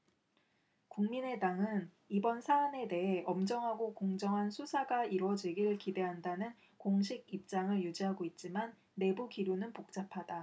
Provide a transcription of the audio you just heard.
국민의당은 이번 사안에 대해 엄정하고 공정한 수사가 이뤄지길 기대한다는 공식 입장을 유지하고 있지만 내부 기류는 복잡하다